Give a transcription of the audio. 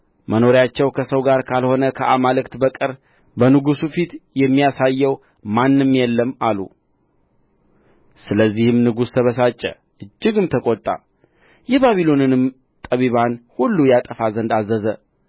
መኖሪያቸው ከሰው ጋር ካልሆነ ከአማልክት በቀር በንጉሡ ፊት የሚያሳየው ማንም የለም አሉ ስለዚህም ንጉሡ ተበሳጨ እጅግም ተቈጣ የባቢሎንንም ጠቢባን ሁሉ ያጠፉ ዘንድ አዘዘ